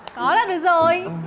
có là được rồi